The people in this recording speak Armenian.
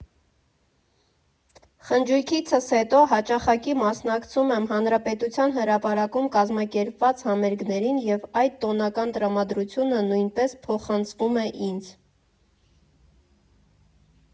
Խնջույքիցս հետո հաճախակի մասնակցում եմ Հանրապետության հրապարակում կազմակերպված համերգներին և այդ տոնական տրամադրությունը նույնպես փոխանցվում է ինձ։